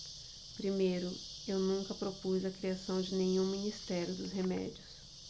primeiro eu nunca propus a criação de nenhum ministério dos remédios